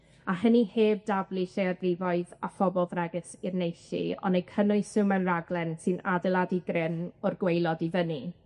a hynny heb daflu lleiafrifoedd a phobol bregys i'r nelltu, on' eu cynnwys nw mewn raglen sy'n adeiladu grym o'r gwaelod i fyny.